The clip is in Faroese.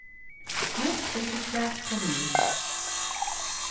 nýtt tilboðsblað komið út